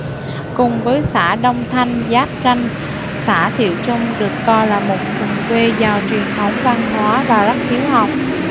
cùng với xã đông thanh giáp ranh xã thiệu trung được coi là một vùng quê giàu truyền thống văn hóa và rất hiếu học